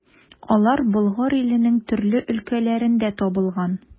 Алар Болгар иленең төрле өлкәләрендә табылган.